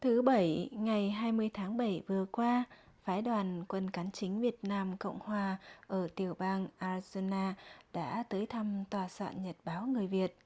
thứ bảy ngày hai mươi tháng bảy vừa qua phái đoàn quân cán chính việt nam cộng hòa ở tiểu bang a ri dô na đã tới thăm tòa soạn nhật báo người việt